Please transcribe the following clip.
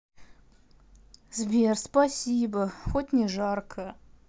сбер спасибо хоть не жарко